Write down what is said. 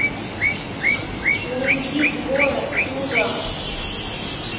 уйди джой отсюда